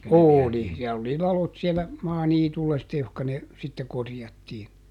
oli siellä oli ladot siellä maaniityllä sitten johon ne sitten korjattiin